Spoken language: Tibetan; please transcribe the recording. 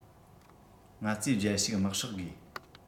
ང ཚོས རྒྱལ ཕྱུག དམག ཧྲག དགོས